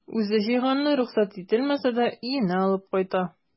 Үзе җыйганны рөхсәт ителмәсә дә өенә алып кайта.